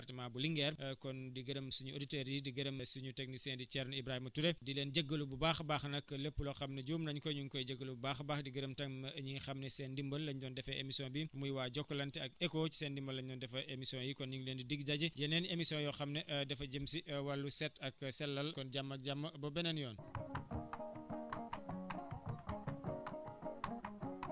kon ñu ngi gërëm di sant nag monsieur René Ndiaye mi nga xam ni nag moo yor service hygène département bu Linguère kon di gërëm suñu auditeurs yi di gërëm suñu techniciens di Thierno Ibrahima Touré di leen jégalu bu baax a baax nag lépp loo xam ne juum nañu ko énu ngi koy jégalu bu baax a baax di gërëm tam ñi nga xam ne seen ndimbal lañ doon defee émission bi muy waa Jokalante ak ECHO ci seen ndimbal lañ doon defee émission yi kon ñu ngi leen di dik daje yeneen émissions yoo xam ne dafa jëm si wàllu set ak sellal kon jàmm a jàmm ba beneen yoon